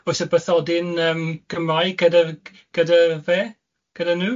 Oes y bythodyn yym Cymraeg gyda f-, g- gyda fe, gyda nhw?